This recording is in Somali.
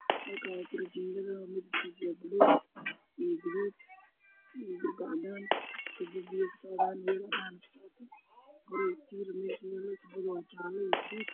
Halkaan waa guri jiingad ah midabkiisu waa buluug iyo gaduud, tubo biyo kasocdo waa cadaan, qori tiira meesha yaalo, tubadu waa jaale iyo gaduud.